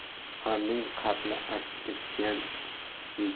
ularning qatli aks etgan